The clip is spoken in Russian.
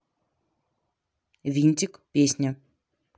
винтик песня